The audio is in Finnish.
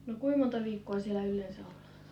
no kuinka monta viikkoa siellä yleensä ollaan